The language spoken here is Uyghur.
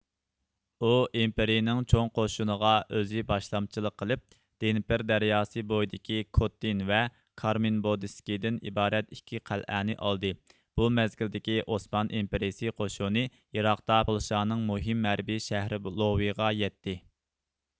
ئۇ ئىمپېرىيىنىڭ چوڭ قوشۇنىغا ئۆزى باشلامچىلىق قىلىپ دنېپر دەرياسى بويىدىكى كوتتىن ۋە كارمېنبودىسكىدىن ئىبارەت ئىككى قەلئەنى ئالدى بۇ مەزگىلدىكى ئوسمان ئىمپېرىيىسى قوشۇنى يىراقتا پولشىنىڭ مۇھىم ھەربىي شەھىرى لۆۋېغا يەتتى